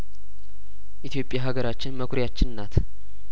ኢትዮጵያ ሀገራችን መኩሪያችን ናት